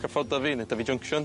Cyffordd Dyfi ne' Dyfi Junction.